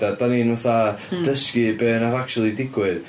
A dan ni'n fatha... mm. ...dysgu be wnaeth acshyli digwydd.